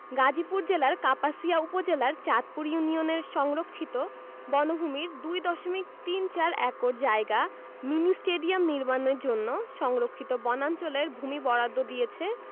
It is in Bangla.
গাজীপুর জেলার কাপাসিয়া উপজেলার চাঁদপুর ইউনিয়নের সংরক্ষিত বনভূমির ২ দশমিক তিন চার একর জায়গা মিনি স্টেডিয়াম নির্মাণের জন্য সংরক্ষিত বনাঞ্চলের ভূমি বরাদ্দ দিয়েছে